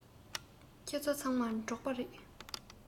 ཁྱེད ཚོ ཚང མ འབྲོག པ རེད